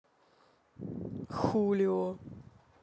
хулио